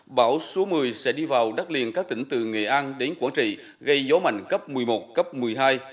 bão số mười sẽ đi vào đất liền các tỉnh từ nghệ an đến quảng trị gây gió mạnh cấp mười một cấp mười hai